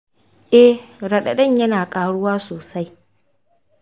eh, raɗaɗin ya na ƙaruwa sosai